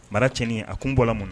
Maraci a kun n bɔra mun